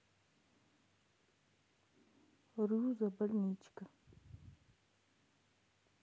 руза больничка